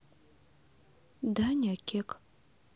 даня кек